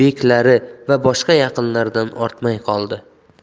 beklari va boshqa yaqinlaridan ortmay qoldi